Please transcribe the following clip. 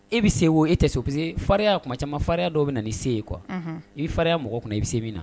E bɛ se wo e tɛ so parce que farinya kuma caman farinya dɔ bɛ na ni se yen quoi i faya mɔgɔ kɔnɔ i bɛ se min na